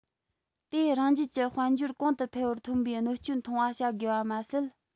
དེས རང རྒྱལ གྱི དཔལ འབྱོར གོང དུ འཕེལ བར ཐོན པའི གནོད རྐྱེན མཐོང བ བྱ དགོས པ མ ཟད